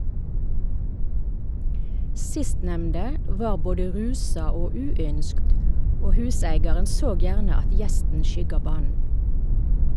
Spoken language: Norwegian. Sistnemnde var både rusa og uynskt, og huseigaren såg gjerne at gjesten skygga banen.